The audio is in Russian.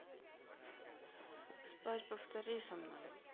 спать повтори за мной